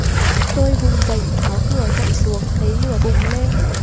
tôi vùng dậy tháo cửa chạy xuống thấy lửa bùng lên